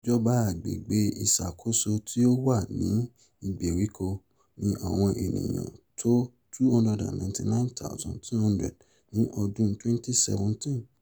Ìjọba, agbègbè ìṣàkóso tí ó wà ní ìgberíko, ni àwọn ènìyàn tó 299,200 ní ọdún 2017.